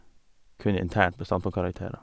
Kun internt med standpunktkarakterer.